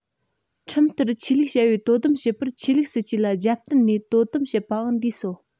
ཁྲིམས ལྟར ཆོས ལུགས བྱ བའི དོ དམ བྱེད པར ཆོས ལུགས སྲིད ཇུས ལ རྒྱབ བརྟེན ནས དོ དམ བྱེད པའང འདུས སོ